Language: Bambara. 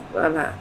Baba